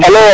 alo